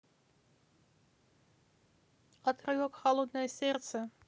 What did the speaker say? отрывок холодное сердце